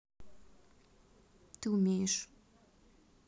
ты умеешь